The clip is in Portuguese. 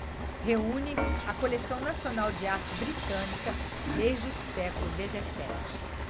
reúne a coleção nacional de arte britânica desde o século dezessete